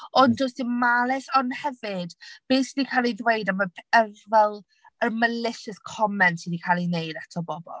Ond does dim malice. Ond hefyd, beth sy 'di cael ei ddweud am y pe- yr fel, yr malicious comments sy 'di cael eu wneud ato bobl.